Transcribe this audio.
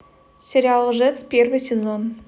сериал лжец первый сезон